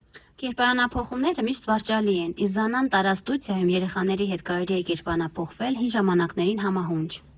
Կերպարանափոխումները միշտ զվարճալի են, իսկ «Զանան Տարազ» ստուդիայում երեխաների հետ կարելի է կերպարանափոխվել հին ժամանակներին համահունչ։